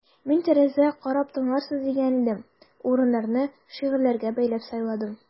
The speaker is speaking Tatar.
Мин тәрәзәгә карап тыңларсыз дигән идем: урыннарны шигырьләргә бәйләп сайладым.